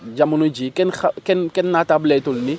jaomono jii kenn xa kenn naatableetul ni